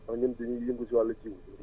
comme ñun dañuy yëngu si wàllu jiw